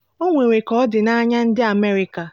O nwere ka ọ dị n'anya ndị America.